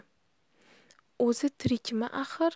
o'zi tirikmi axir